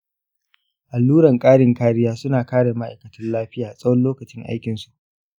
alluran ƙarin kariya suna kare ma'aikatan lafiya tsawon lokacin aikinsu.